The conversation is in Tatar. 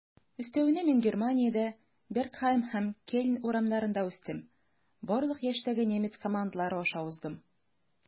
Өстәвенә, мин Германиядә, Бергхайм һәм Кельн урамнарында үстем, барлык яшьтәге немец командалары аша уздым.